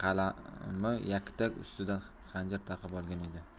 qalami yaktak ustidan xanjar taqib olgan edi